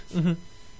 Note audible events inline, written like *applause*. *hesitation* *hesitation*